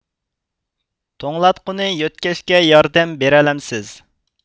توڭلاتقۇنى يۆتكەشكە ياردەم بېرەلەمسىز